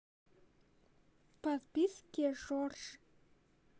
подписки жоржа